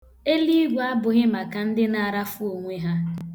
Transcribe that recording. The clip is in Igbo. Eluigwe abụghị maka ndị na-arafu onwe ha.